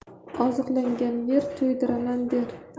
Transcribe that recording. oziqlangan yer to'ydiraman der